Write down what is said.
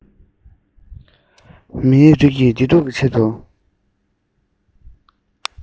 མིའི རིགས ཀྱི བདེ སྡུག ཆེད དུ